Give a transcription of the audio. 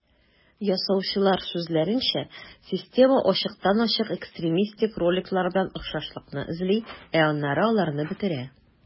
Ясаучылар сүзләренчә, система ачыктан-ачык экстремистик роликлар белән охшашлыкны эзли, ә аннары аларны бетерә.